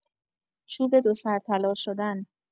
چوب دو سر طلا شدن